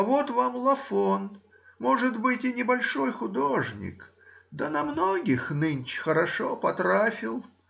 — Вот вам Лафон, может быть и небольшой художник, да на многих нынче хорошо потрафил